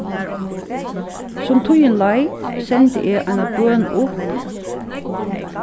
sum tíðin leið sendi eg eina bøn upp